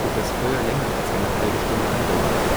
und das Feuer länger als eine halbe Stunde andauert